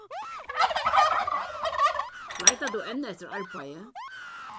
leitar tú enn eftir arbeiði